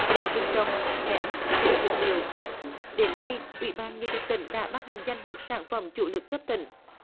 gỗ rừng trồng ném cây dược liệu đến nay ủy ban nhân dân tỉnh đã ban hành danh mục sản phẩm chủ lực cấp tỉnh